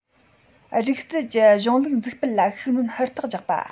རིག རྩལ གྱི གཞུང ལུགས འཛུགས སྤེལ ལ ཤུགས སྣོན ཧུར ཐག རྒྱག པ